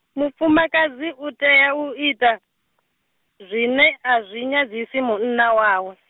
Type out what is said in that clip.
mufumakadzi utea u ita, zwine, azwi nyadzisi munna wawe.